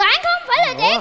hà